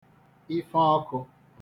ife ọkū